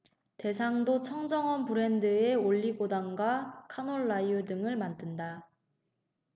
대상도 청정원 브랜드의 올리고당과 카놀라유 등을 만든다